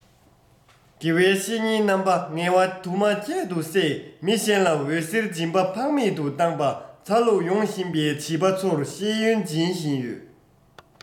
དགེ བའི བཤེས གཉེན རྣམ པ ངལ བ དུ མ ཁྱད དུ བསད མི གཞན ལ འོད ཟེར སྦྱིན པ ཕངས མེད དུ བཏང པ འཚར ལོངས ཡོང བཞིན པའི བྱིས པ བྱིས པ ཚོར ཤེས ཡོན སྦྱིན བཞིན ཡོད